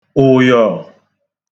ùyọ̀